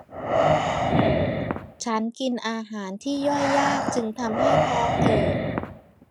ฉันกินอาหารที่ย่อยยากจึงทำให้ท้องอืด